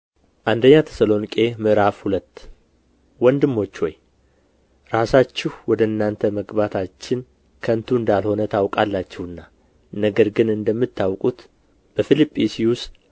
አንደኛ ተሰሎንቄ ምዕራፍ ሁለት ወንድሞች ሆይ ራሳችሁ ወደ እናንተ መግባታችን ከንቱ እንዳልሆነ ታውቃላችሁና ነገር ግን እንደምታውቁት በፊልጵስዩስ